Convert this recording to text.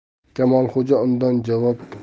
kamolxo'ja undan javob